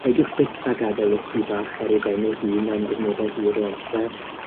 Peidiwch byth â gadael eich ci bach ar ei ben ei hun am gyfnodau hir o amser.